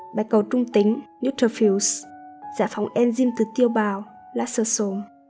và bạch cầu trung tính đến giải phóng enzyme từ tiêu bào